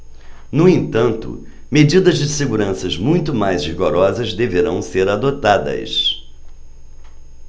no entanto medidas de segurança muito mais rigorosas deverão ser adotadas